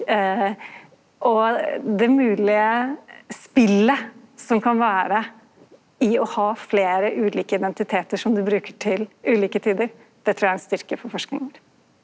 og det moglege spelet som kan vera i å ha fleire ulike identitetar som du bruker til ulike tider, det trur eg er ein styrke for forskingar.